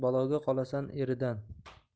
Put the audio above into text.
baloga qolasan eridan